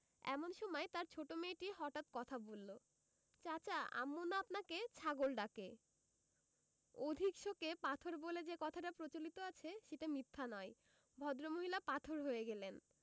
এমন সময় তাঁর ছোট মেয়েটি হঠাৎ কথা বলল চাচা আম্মু না আপনাকে ছাগল ডাকে অধিক শোকে পাথর বলে যে কথাটা প্রচলিত আছে সেটা মিথ্যা নয় ভদ্র মহিলা পাথর হয়ে গেলেন